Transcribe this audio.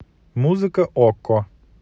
музыка окко